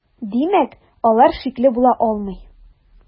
Димәк, алар шикле була алмый.